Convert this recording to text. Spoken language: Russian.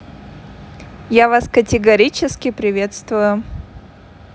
я вас категорически приветствую